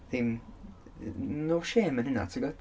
ddim, n- no shame yn hynna timod?